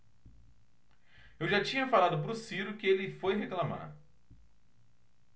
eu já tinha falado pro ciro que ele foi reclamar